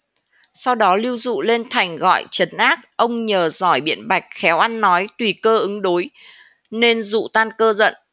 sau đó lưu dụ lên thành gọi trấn ác ông nhờ giỏi biện bạch khéo ăn nói tùy cơ ứng đối nên dụ tan cơn giận